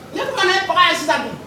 Ne fana ye kɔrɔ ye sa